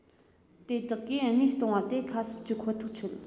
དེ དག གིས གནས སྟོང བ དེ ཁ གསབ བགྱི ཁོ ཐག ཆོད